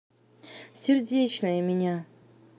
сердечное меня